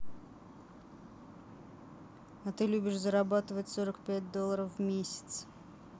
а ты любишь зарабатывать сорок пять долларов в месяц